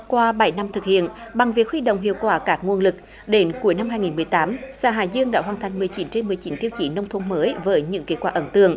qua bảy năm thực hiện bằng việc huy động hiệu quả các nguồn lực đến cuối năm hai nghìn mười tám xã hải dương đã hoàn thành mười chín trên mười chín tiêu chí nông thôn mới với những kết quả ấn tượng